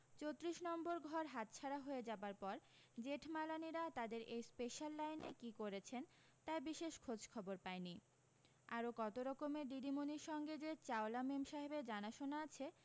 চোত্রিশ নম্বর ঘর হাতছাড়া হয়ে যাবার পর জেঠমালানিরা তাদের এই স্পেশাল লাইনে কী করেছেন তার বিশেষ খোঁজখবর পাইনি আরো কত রকমের দিদিমণির সঙ্গে যে চাওলা মেমসাহেবের জানাশোনা আছে